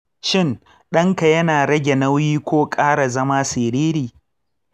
shin ɗan ka yana rage nauyi ko ƙara zama siriri?